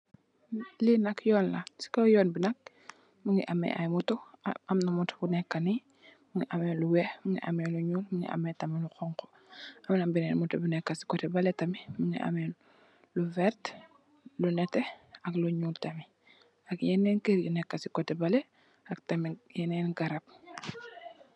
Li nak yuun la si kaw yuun bi nak mongi ame ay moto amna moto bu neka nee mongi ame lu weex mongi ame lu nuul mongi ame tam lu xonxu amna benen moto bu neka si kote belex tamit mongi ame lu vert lu neteh ak lu nuul tamit ak yenen keur yu neka si kote belex tamit ak tamit yenen garab.